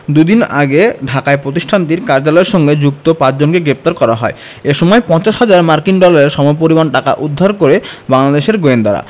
দুদিন আগে ঢাকায় প্রতিষ্ঠানটির কার্যালয়ের সঙ্গে যুক্ত পাঁচজনকে গ্রেপ্তার করা হয় এ সময় ৫০ হাজার মার্কিন ডলারের সমপরিমাণ টাকা উদ্ধার করে বাংলাদেশের গোয়েন্দারা